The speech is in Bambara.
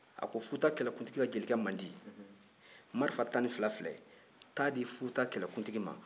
a ko futa kɛlɛkuntigi ka jelikɛ mandi marifa tan ni fila filɛ taa di futa kɛlɛkuntigi ma